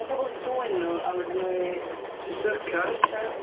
Mae pobl yn dwyn nhw a mynd â nhw i... I syrcas... Syrcas